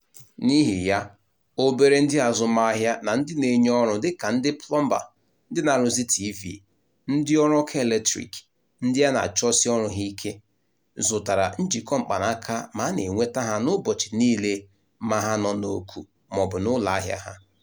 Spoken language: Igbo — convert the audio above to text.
N'ihi ya, obere ndị azụmahịa na ndị na-enye ọrụ dịka ndị plọmba / ndị na-arụzi TV / ndịọrụ ọkụ eletrik (ndị a na-achọsi ọrụ ha ike) zụtara njikọ mkpanaka ma a na-enweta ha n'ụbọchị niile ma ha nọ n'oku maọbụ n'ụlọahịa ha.